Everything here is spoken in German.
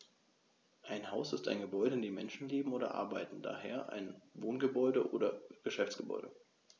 Ein Haus ist ein Gebäude, in dem Menschen leben oder arbeiten, d. h. ein Wohngebäude oder Geschäftsgebäude.